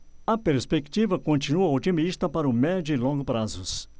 a perspectiva continua otimista para o médio e longo prazos